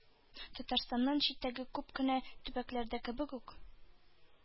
Татарстаннан читтәге күп кенә төбәкләрдәге кебек үк,